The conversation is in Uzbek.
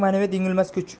naviyat yengilmas kuch